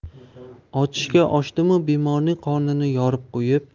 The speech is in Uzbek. ochishga ochdimu bemorning qornini yorib qo'yib